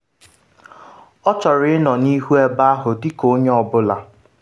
Ọ chọrọ ịnọ n’ihu ebe ahụ, dị ka onye ọ bụla.”